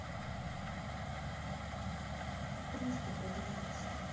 да просто погнались